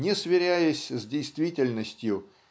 не сверяясь с действительностью